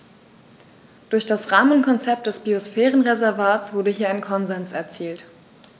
Durch das Rahmenkonzept des Biosphärenreservates wurde hier ein Konsens erzielt.